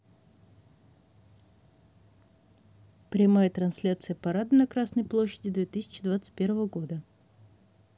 прямая трансляция парада на красной площади две тысячи двадцать первого года